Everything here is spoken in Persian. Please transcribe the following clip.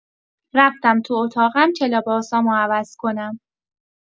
رفتم تو اتاقم که لباسامو عوض کنم.